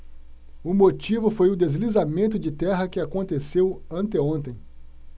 o motivo foi o deslizamento de terra que aconteceu anteontem